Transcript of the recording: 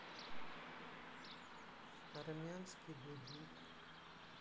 армянский дудук